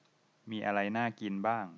มีอะไรน่ากินบ้าง